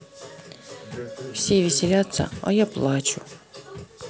все веселятся а я плачу